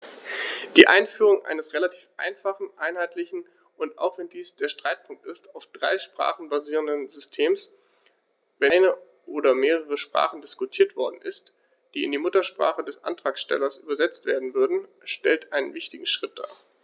Die Einführung eines relativ einfachen, einheitlichen und - auch wenn dies der Streitpunkt ist - auf drei Sprachen basierenden Systems, wenngleich über eine oder mehrere Sprachen diskutiert worden ist, die in die Muttersprache des Antragstellers übersetzt werden würden, stellt einen wichtigen Schritt dar.